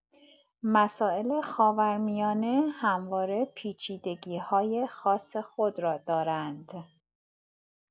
مسائل خاورمیانه همواره پیچیدگی‌های خاص خود را دارند.